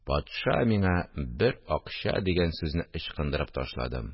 Патша миңа бер акча! – дигән сүзне ычкындырып ташладым